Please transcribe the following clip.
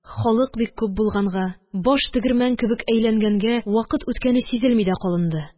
Халык бик күп булганга, баш тегермән кебек әйләнгәнгә, вакыт үткәне сизелми дә калынды.